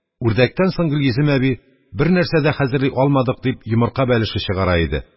Үрдәктән соң Гөлйөзем әби: «Бернәрсә дә хәзерли алмадык», – дип, йомырка бәлеше чыгара иде.